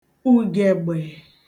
ùgègbè